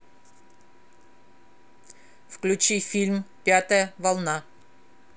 включи фильм пятая волна